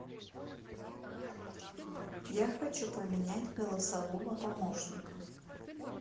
я хочу поменять голосового помощника